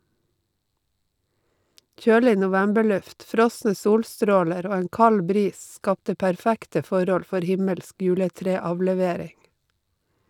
Kjølig novemberluft, frosne solstråler og en kald bris skapte perfekte forhold for himmelsk juletreavlevering.